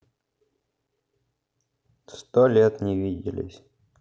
сто лет не виделись